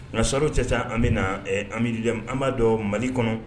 Nka saro cɛ ca an bɛna amibi an b'a dɔn mali kɔnɔ